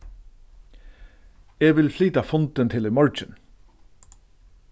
eg vil flyta fundin til í morgin